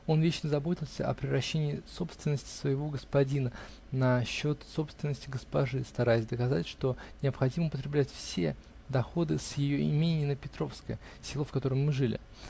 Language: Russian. Он вечно заботился о приращении собственности своего господина на счет собственности госпожи, стараясь доказывать, что необходимо употреблять все доходы с ее имений на Петровское (село, в котором мы жили).